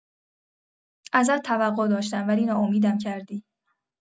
ازت توقع داشتم ولی ناامیدم کردی